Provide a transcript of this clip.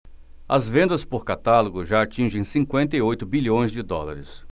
as vendas por catálogo já atingem cinquenta e oito bilhões de dólares